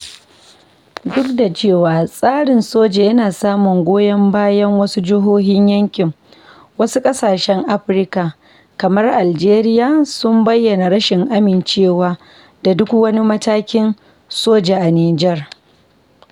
Duk da cewa tsarin soja yana samun goyon bayan wasu jihohin yankin, wasu ƙasashen Afirka, kamar Algeria, sun bayyana rashin amincewa da duk wani matakin soja a Nijar.